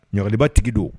tigi don